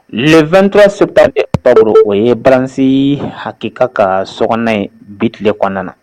2ttɔ sep baro o ye barasi hakɛka ka so ye biti kɔnɔna na